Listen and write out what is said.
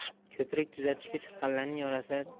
ko'prik tuzatishga chiqqanlarning orasida